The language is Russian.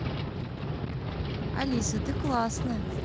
алиса ты классная